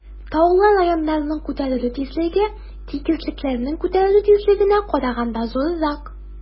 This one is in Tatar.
Таулы районнарның күтәрелү тизлеге тигезлекләрнең күтәрелү тизлегенә караганда зуррак.